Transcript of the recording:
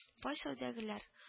– бай сәүдәгәләр